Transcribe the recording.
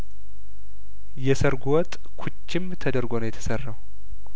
የሰርጉ ወጥ ኩችም ተደርጐ ነው የተሰራው